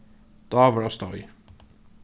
dávur á steig